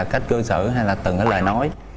cách cư xử hay là từng cái lời nói